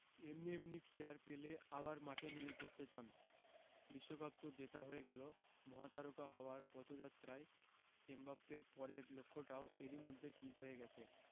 এমনি এমনি কি আর পেলে আবার মাঠে নেমে পড়তে চান বিশ্বকাপ তো জেতা হয়ে গেল মহাতারকা হওয়ার পথযাত্রায় এমবাপ্পের পরের লক্ষ্যটাও এরই মধ্যে ঠিক হয়ে গেছে